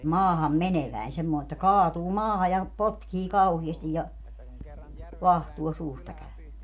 maahanmeneväinen semmoinen että kaatuu maahan ja potkii kauheasti ja vaahtoa suusta käy